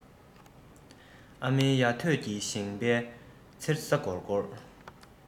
ཨ མའི ཡ ཐོད ཀྱིས བཞེངས པའི མཚེར ས སྒོར སྒོར